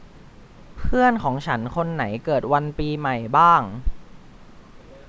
เพื่อนของฉันคนไหนเกิดวันปีใหม่บ้าง